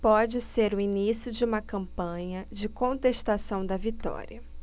pode ser o início de uma campanha de contestação da vitória